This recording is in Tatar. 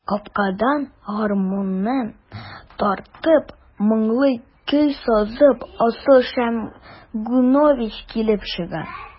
Капкадан, гармунын тартып, моңлы көй сызып, Асыл Шәмгунович килеп чыга.